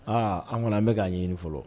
Aa an fana an bɛka k'a ɲini fɔlɔ